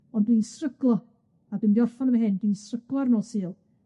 Ond dwi'n stryglo, a dwi mynd i orffen yn fan hyn, dwi'n stryglo ar nos Sul.